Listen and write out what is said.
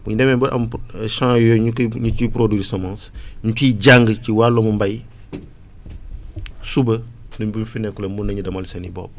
bu ñu demee ba am champs yooyu ñu koy ñu ciy produire semence ñu ciy jàng ci wàllum mbéy suba même bu ñu fi nekkulee mën nañu demel seen i bopp